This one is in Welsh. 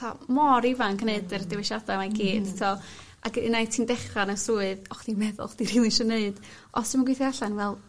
t'o' mor ifanc gneud yr dewisiada 'ma i gyd t'o' ag unai ti'n dechra yn y swydd o' chdi'n meddwl o chdi rili isio neud os dyw 'im yn gweithio allan wel